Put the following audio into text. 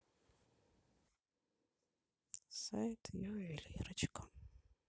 сайт ювелирочка